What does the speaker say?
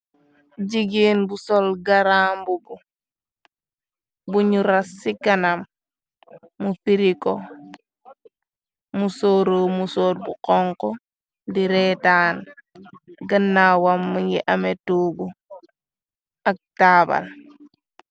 Jigeen bu sol garaambubu buñu ras ci kanam mu firiko mu sóoro mu soor bu xonko di reetaan gënnawamm ngi ame tuogu ak taabal.